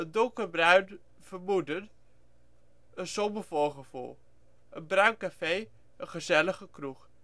donker) bruin vermoeden - een somber voorgevoel Een bruin café - een gezellige kroeg